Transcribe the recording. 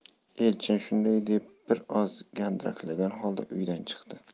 elchin shunday deb bir oz gandiraklagan holda uydan chiqdi